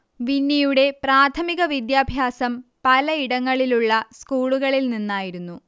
വിന്നിയുടെ പ്രാഥമിക വിദ്യാഭ്യാസം പലയിടങ്ങളിലുള്ള സ്കൂളുകളിൽ നിന്നായിരുന്നു